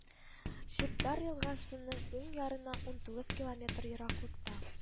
Чебдар елгасының уң ярыннан унтугыз километр ераклыкта